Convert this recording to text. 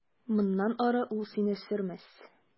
Моннан ары ул сине сөрмәс.